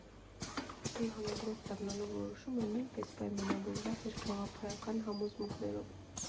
Իմ՝ համադրող դառնալու որոշումը նույնպես պայմանավորված էր գաղափարական համոզմունքներով։